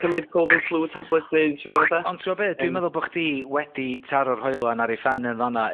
cymyd cold and flu tablets neu t'mod fatha? Ond t'mo' be'? Dwi'n meddwl bo' chdi wedi taro'r hoelan ar 'i phen yn fan 'na...